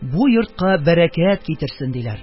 Бу йортка бәрәкәт китерсен! -диләр.